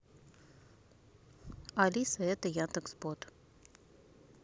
алиса это яндекс бот